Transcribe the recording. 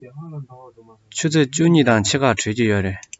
ཆུ ཚོད བཅུ གཉིས དང ཕྱེད ཀར གྲོལ གྱི རེད